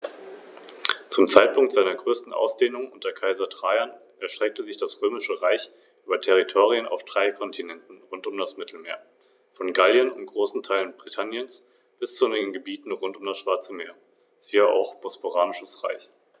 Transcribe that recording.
Die Beute greifen die Adler meist auf dem Boden oder im bodennahen Luftraum und töten sie mit den außerordentlich kräftigen Zehen und Krallen.